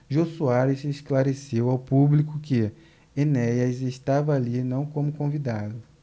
jô soares esclareceu ao público que enéas estava ali não como convidado